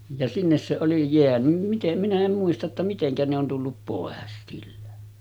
ja sinne se oli jäänyt miten minä en muista jotta miten ne on tullut pois sillä